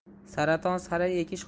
saraton sara ekish